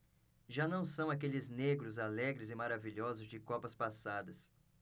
já não são aqueles negros alegres e maravilhosos de copas passadas